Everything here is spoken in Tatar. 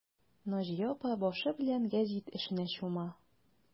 Наҗия апа башы белән гәзит эшенә чума.